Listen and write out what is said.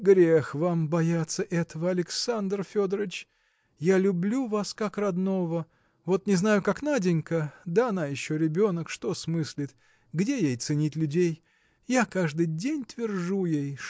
– Грех вам бояться этого, Александр Федорыч! Я люблю вас как родного вот не знаю, как Наденька да она еще ребенок: что смыслит? где ей ценить людей! Я каждый день твержу ей